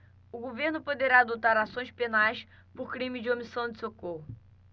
o governo poderá adotar ações penais por crime de omissão de socorro